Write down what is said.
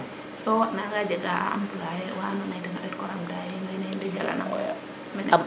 so wo jega xa xa employer wa ando naye wona etko rabda den de njalanaŋo yo